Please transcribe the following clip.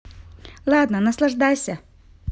ладно наслаждайся